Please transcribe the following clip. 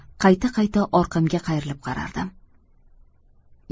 qayta qayta orqamga qayrilib qarardim